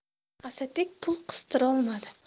asadbek pul qistirolmadi